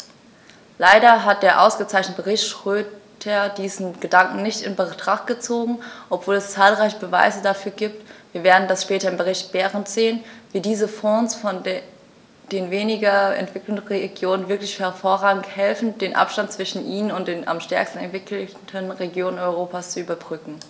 Leider hat der ausgezeichnete Bericht Schroedter diesen Gedanken nicht in Betracht gezogen, obwohl es zahlreiche Beweise dafür gibt - wir werden das später im Bericht Berend sehen -, wie diese Fonds den weniger entwickelten Regionen wirklich hervorragend helfen, den Abstand zwischen ihnen und den am stärksten entwickelten Regionen Europas zu überbrücken.